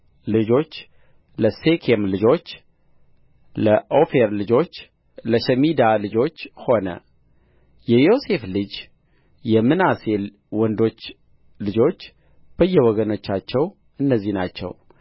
ልጆች ለሴኬም ልጆች ለኦፌር ልጆች ለሸሚዳ ልጆች ሆነ የዮሴፍ ልጅ የምናሴ ወንዶች ልጆች በየወገኖቻቸው እነዚህ ናቸው